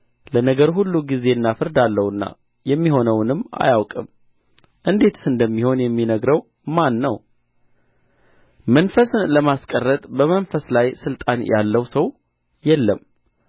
ለነገር ሁሉ ጊዜና ፍርድ አለውና የሚሆነውንም አያውቅም እንዴትስ እንደሚሆን የሚነግረው ማን ነው መንፈስን ለማስቀረት በመንፈስ ላይ ሥልጣን ያለው ሰው የለም